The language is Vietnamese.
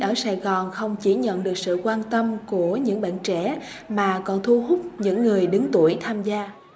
ở sài gòn không chỉ nhận được sự quan tâm của những bạn trẻ mà còn thu hút những người đứng tuổi tham gia